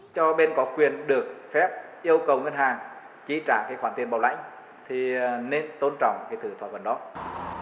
cho bên có quyền được phép yêu cầu ngân hàng chi trả cái khoản tiền bảo lãnh thì nên tôn trọng cái từ thỏa thuận đó